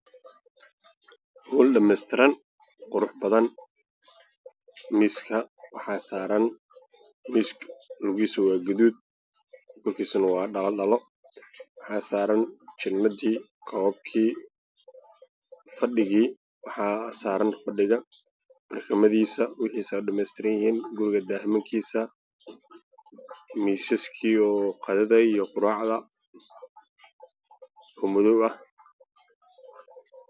Waa qol waxaa yaalo fadhi midabkiisu yahay dahabi jaalo miiska waxaa saaran dhalo